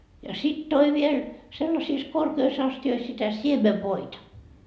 ja sitten toi vielä sellaisissa korkeissa astioissa sitä siemenvoita